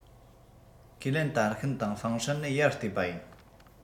ཁས ལེན དར ཤན དང ཧྥང ཧྲན ནི ཡར བལྟས པ ཡིན